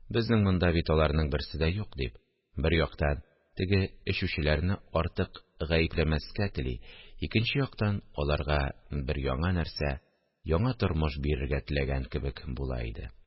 Безнең монда бит аларның берсе дә юк, – дип, бер яктан, теге эчүчеләрне артык гаепләмәскә тели, икенче яктан, аларга бер яңа нәрсә, яңа тормыш бирергә теләгән кебек була иде